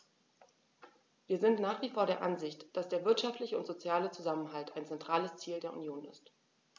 Wir sind nach wie vor der Ansicht, dass der wirtschaftliche und soziale Zusammenhalt ein zentrales Ziel der Union ist.